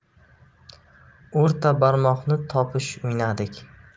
o'rta barmoqni topish o'ynadik